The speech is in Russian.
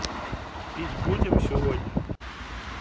пить будем сегодня